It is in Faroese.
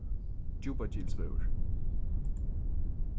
djúpagilsvegur